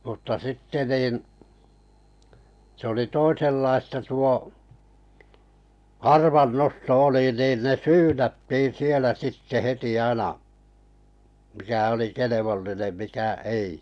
mutta sitten niin se oli toisenlaista tuo arvannosto oli niin ne syynättiin siellä sitten heti aina mikä oli kelvollinen mikä ei